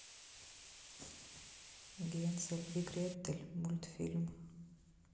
гензель и греттель мультфильм